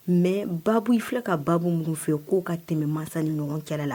Mɛ baa i fila ka baa mun fɛ yen k'o ka tɛmɛ masa ni ɲɔgɔn cɛla la